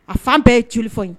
A fan bɛɛ ye cili fɔ ye